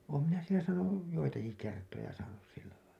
olen minä siellä saanut joitakin kertoja saanut sillä lailla